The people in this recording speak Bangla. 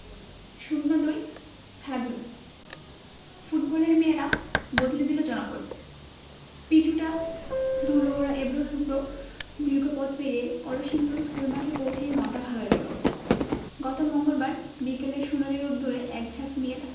০২ খেলাধুলা ফুটবলের মেয়েরা বদলে দিল জনপদ পিচ ওঠা ধুলো ওড়া এবড়োখেবড়ো দীর্ঘ পথ পেরিয়ে কলসিন্দুর স্কুলমাঠে পৌঁছেই মনটা ভালো হয়ে গেল গত মঙ্গলবার বিকেলে সোনালি রোদ্দুরে একঝাঁক মেয়ের